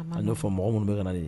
A ne fɔ mɔgɔ minnu bɛ ka ye